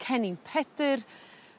Cennin Pedyr